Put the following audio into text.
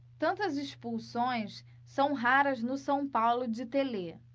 tantas expulsões são raras no são paulo de telê